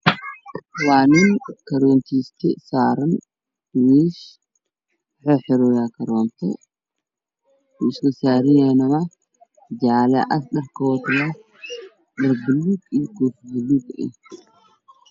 Waa nin saaran tiir wuxuu xirayaa koronto ninka musuqa bashaar cad iyo surwaal madow ah